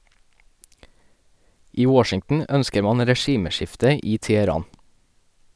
I Washington ønsker man regimeskifte i Teheran.